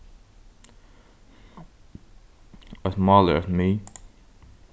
eitt mál er eitt mið